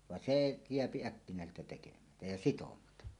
vaan se jää äkkinäiseltä tekemättä ja sitomatta